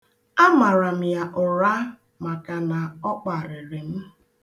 A mara m ya ụra maka na ọ kparịrị m.